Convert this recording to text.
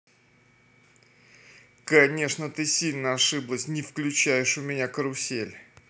конечно ты сильно ошиблась не включаешь у меня карусель